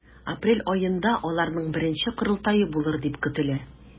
Апрель аенда аларның беренче корылтае булыр дип көтелә.